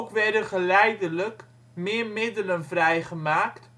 werden geleidelijk meer middelen vrijgemaakt